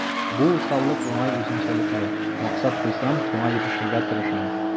Бу усаллык уңай үзенчәлекле: максат куйсам, шуңа ирешергә тырышам.